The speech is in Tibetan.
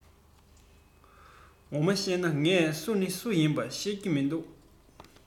ངོ མ གཤས ན ངས སུ ནི སུ ཡིན པ ཤེས གི མི འདུག